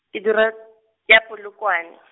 ke dula, ya Polokwane.